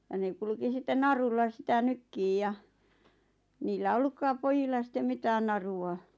ja ne kulki sitten narulla sitä nykimään ja niillä ollutkaan pojilla sitten mitään narua